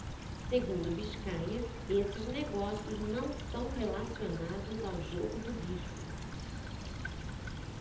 segundo biscaia esses negócios não são relacionados ao jogo do bicho